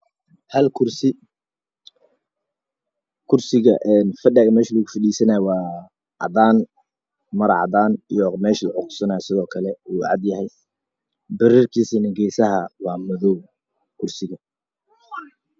Halkusi kusiga meshalagufarisanaya waacadan marocadan iyo mesha lagashanayay wacadan sidokalana birirkiisana gesaha wamadow kursiga